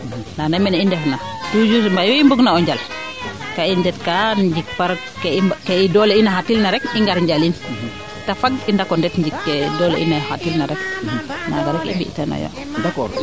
ndaa andaa yee mene i ndef na yu i mbung na o njal kaa i ndet kaa njik par doole in a xatil na rek i ngar njalin te fag ndako ndet njik kee doole in a xatil na rek naaga rek i mbi tano yo